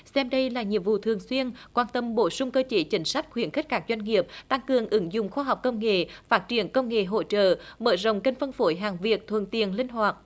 xem đây là nhiệm vụ thường xuyên quan tâm bổ sung cơ chế chính sách khuyến khích các doanh nghiệp tăng cường ứng dụng khoa học công nghệ phát triển công nghệ hỗ trợ mở rộng kênh phân phối hàng việt thuận tiện linh hoạt